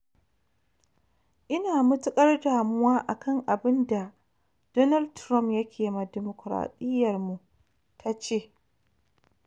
“Ina matukar damuwa akan abun da Donald Trump yake ma dimokuradiyyarmu,” ta ce.